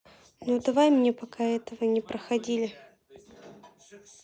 ну давай мне пока этого не проходили